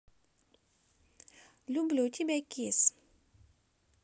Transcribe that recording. люблю тебя kiss